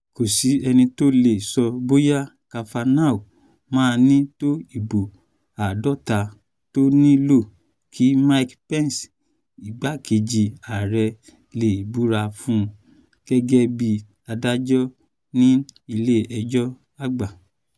Kò sí ẹni tó lè sọ bóyá Kavanaugh máa ní tó ibò 50 tó ní lò kí Mike Pence, igbákejì ààrẹ, lè búra fun un gẹ́gẹ́ bí adájọ́ ní Ilé-ẹjọ́ Àgbà.